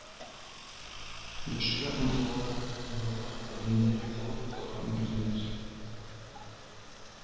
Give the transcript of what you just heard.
Яшәргә омтылалар, авырлыклар алдында югалып калырга мөмкиннәр